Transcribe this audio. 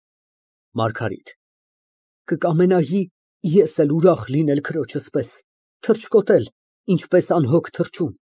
ՄԱՐԳԱՐԻՏ ֊ Կկամենայի ես էլ ուրախ լինել քրոջս պես, թռչկոտել, ինչպես անհոգ թռչուն։